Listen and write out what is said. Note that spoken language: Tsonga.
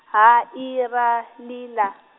H I R L A.